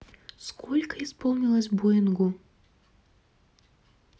сколько исполнилось боингу